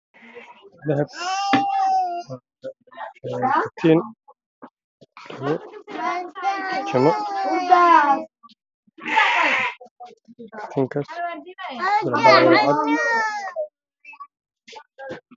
Waxaa ii muuqdo dhegadhego meel suran